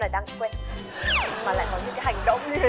những hành động như